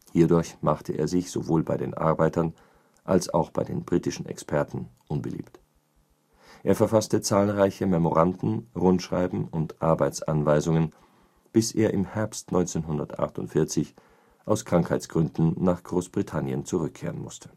Hierdurch machte er sich sowohl bei den Arbeitern als auch bei den britischen Experten unbeliebt. Er verfasste zahlreiche Memoranden, Rundschreiben und Arbeitsanweisungen, bis er im Herbst 1948 aus Krankheitsgründen nach Großbritannien zurückkehren musste